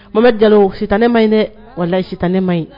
Mama bɛ jalo sitan ne ma ye ne wala sitan ne ma ɲi